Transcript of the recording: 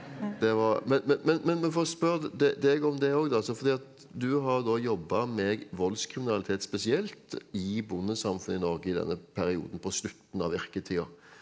det var men men men men vi får spørre deg om det òg da altså fordi at du har da jobba med voldskriminalitet spesielt i bondesamfunn i Norge i denne perioden på slutten av virketida.